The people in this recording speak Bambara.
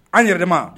An yɛrɛ